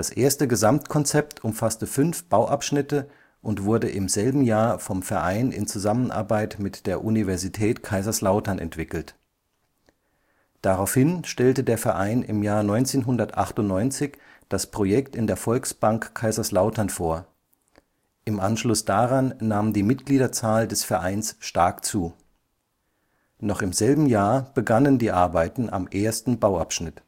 erste Gesamtkonzept umfasste fünf Bauabschnitte und wurde im selben Jahr vom Verein in Zusammenarbeit mit der Universität Kaiserslautern entwickelt. Daraufhin stellte der Verein im Jahr 1998 das Projekt in der Volksbank Kaiserslautern vor; im Anschluss daran nahm die Mitgliederzahl des Vereins stark zu. Noch im selben Jahr begannen die Arbeiten am ersten Bauabschnitt